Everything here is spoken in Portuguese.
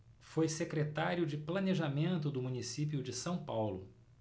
foi secretário de planejamento do município de são paulo